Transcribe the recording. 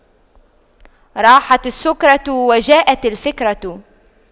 راحت السكرة وجاءت الفكرة